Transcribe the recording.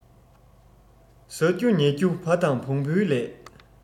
ཟ རྒྱུ ཉལ རྒྱུ བ དང བོང བའི ལས